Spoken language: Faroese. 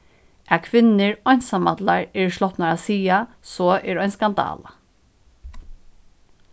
at kvinnur einsamallar eru slopnar at siga so er ein skandala